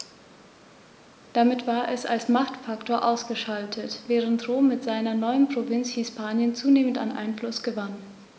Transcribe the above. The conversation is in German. Damit war es als Machtfaktor ausgeschaltet, während Rom mit seiner neuen Provinz Hispanien zunehmend an Einfluss gewann.